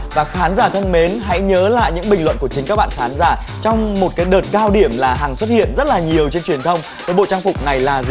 và khán giả thân mến hãy nhớ lại những bình luận của chính các bạn khán giả trong một cái đợt cao điểm là hằng xuất hiện rất là nhiều trên truyền thông với bộ trang phục này là gì